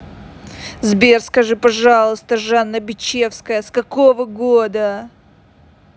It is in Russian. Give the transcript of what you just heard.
сбер скажи пожалуйста жанна бичевская с какого года